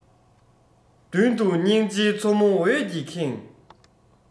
མདུན དུ སྙིང རྗེའི མཚོ མོ འོད ཀྱིས ཁེངས